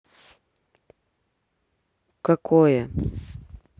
какое